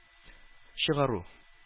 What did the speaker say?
Чыгару